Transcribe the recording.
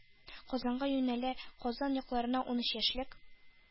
Казанга юнәлә, «Казан якларына унөч яшьлек